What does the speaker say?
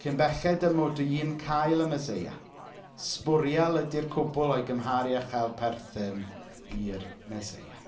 Cyn belled y mod i'n cael y Meseia sbwriel ydy'r cwbl o'i gymharu a chael perthyn i'r Meseia.